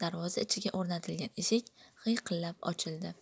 darvoza ichiga o'rnatilgan eshik g'iyqillab ochildi